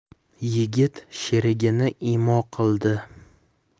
yigit sherigini imo qildi